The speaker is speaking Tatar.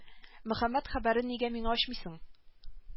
Мөхәммәт хәбәрен нигә миңа ачмыйсың